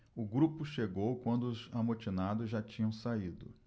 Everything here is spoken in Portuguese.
o grupo chegou quando os amotinados já tinham saído